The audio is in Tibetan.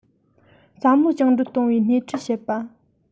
བསམ བློ བཅིངས འགྲོལ གཏོང བའི སྣེ ཁྲིད བྱེད པ